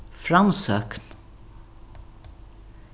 framsókn